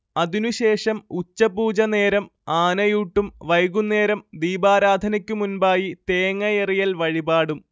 അതിനുശേഷം ഉച്ചപൂജനേരം ആനയൂട്ടും വൈകുന്നേരം ദീപാരാധനക്കുമുൻപായി തേങ്ങായെറിയല്‍ വഴിപാടും